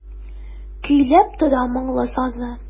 Көйләп тора моңлы сазы.